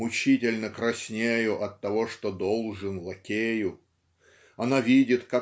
мучительно краснею оттого что должен лакею она видит